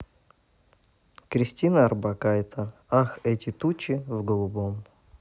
кристина орбакайте ах эти тучи в голубом